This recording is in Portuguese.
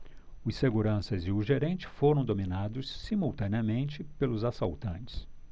os seguranças e o gerente foram dominados simultaneamente pelos assaltantes